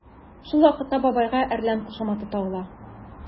Шул вакытта бабайга “әрлән” кушаматы тагыла.